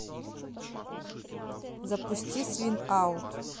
запусти свин аут